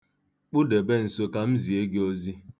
Kpụdebe nso ka m zie gị ozi.